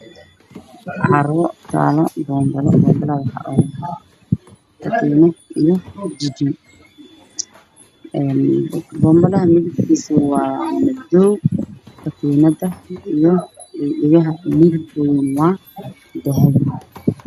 Waa banbalo midabkiisa yahay madow waxaa ku jiro katiin dahabi ah iyo labo dhagood oo dahabi ah